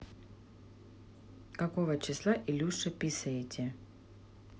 какого числа илюша писаете